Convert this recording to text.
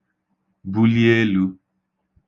buli elū